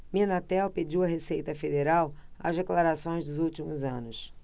minatel pediu à receita federal as declarações dos últimos anos